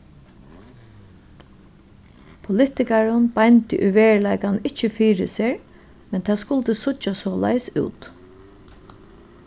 politikarin beindi í veruleikanum ikki fyri sær men tað skuldi síggja soleiðis út